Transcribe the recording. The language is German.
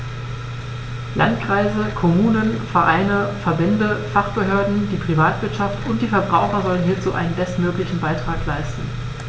Landkreise, Kommunen, Vereine, Verbände, Fachbehörden, die Privatwirtschaft und die Verbraucher sollen hierzu ihren bestmöglichen Beitrag leisten.